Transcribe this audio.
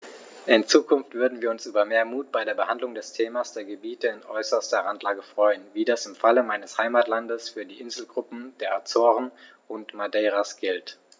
In Zukunft würden wir uns über mehr Mut bei der Behandlung des Themas der Gebiete in äußerster Randlage freuen, wie das im Fall meines Heimatlandes für die Inselgruppen der Azoren und Madeiras gilt.